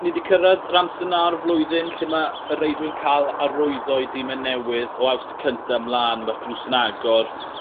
Ni 'di cyrraedd yr amser 'na o'r flwyddyn lle ma' yr reidwyr yn ca'l arwyddo i dime newydd o awst y cynta' mlan ma'r drws yn agor